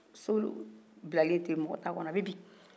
so w bilalen ten mɔgɔ t'a kɔnɔ a bɛ bin